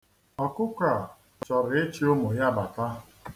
Ọkụkọ a chọrọ ịchị ụmụ ya bata.